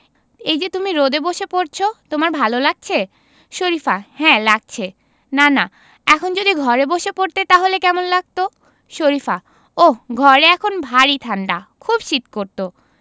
এই যে তুমি রোদে বসে পড়ছ তোমার ভালো লাগছে শরিফা হ্যাঁ লাগছে নানা এখন যদি ঘরে বসে পড়তে তাহলে কেমন লাগত শরিফা ওহ ঘরে এখন ভারি ঠাণ্ডা খুব শীত করত